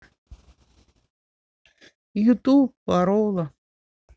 ютуб пороло